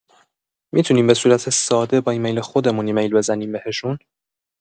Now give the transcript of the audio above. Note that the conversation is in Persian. می‌تونیم به صورت ساده با ایمیل خودمون ایمیل بزنیم بهشون؟